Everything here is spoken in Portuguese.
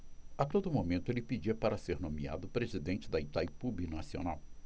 a todo momento ele pedia para ser nomeado presidente de itaipu binacional